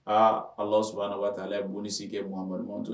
Aa ala saba na waati taa ale ye bononisi kɛuganbatu